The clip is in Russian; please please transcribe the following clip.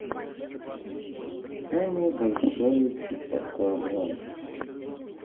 самая большая чупакабра